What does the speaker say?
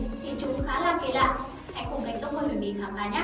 chúng lại có vẻ khá kỳ lạ hãy cùng top huyền bí khám phá nhé